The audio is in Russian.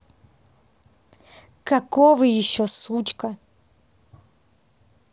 какого еще сучка